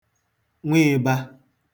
nwịị̄bā